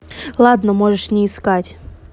ладно можешь не искать